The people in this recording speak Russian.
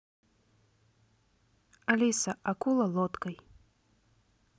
алиса акула лодкой